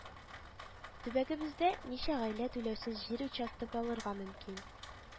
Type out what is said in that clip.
- төбәгебездә ничә гаилә түләүсез җир участогы алырга мөмкин